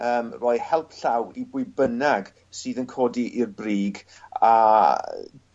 yym rhoi help llaw i bwy bynnag sydd yn codi i'r brig a yy